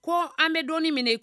Ko an bɛ don minɛ